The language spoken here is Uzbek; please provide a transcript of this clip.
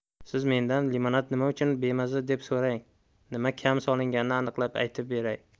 siz mendan limonad nima uchun bemaza deb so'rang nima kam solinganini aniqlab aytib beray